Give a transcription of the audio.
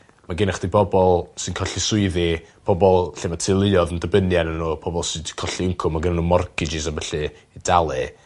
ma' gennych chdi bobol sy'n colli swyddi pobol lle ma' teuluodd yn dibynnu arnyn n'w a pobol sy 'di colli incwm ma' gynnyn n'w mortgages a ballu i dalu